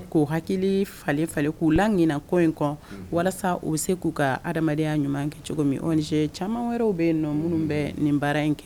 Ko hakili falen falenle k'u lagna kɔ in kɔ walasa u bɛ se k'u ka adamadenyaya ɲuman kɛ cogo min o cɛ caman wɛrɛw bɛ ninnu minnu bɛ nin baara in kɛ